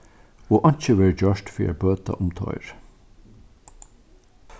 og einki verður gjørt fyri at bøta um teir